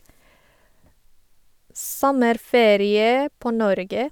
Sommerferie på Norge.